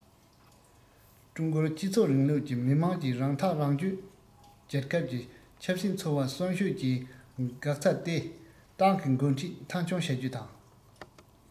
ཀྲུང གོར སྤྱི ཚོགས རིང ལུགས ཀྱི མི དམངས ཀྱིས རང ཐག རང གཅོད རྒྱལ ཁབ ཀྱི ཆབ སྲིད འཚོ བ གསོན ཤུགས ཀྱིས འགག རྩ དེ ཏང གི འགོ ཁྲིད མཐའ འཁྱོངས བྱ རྒྱུ དང